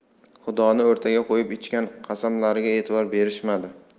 xudoni o'rtaga qo'yib ichgan qasamlariga e'tibor berishmadi